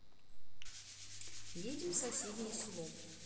едем в соседнее село